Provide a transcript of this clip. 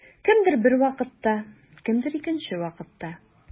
Кемдер бер вакытта, кемдер икенче вакытта.